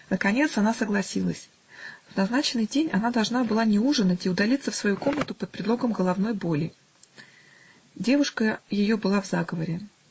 Наконец она согласилась: в назначенный день она должна была не ужинать и удалиться в свою комнату под предлогом головной боли. Девушка ее была в заговоре